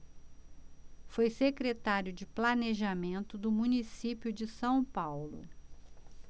foi secretário de planejamento do município de são paulo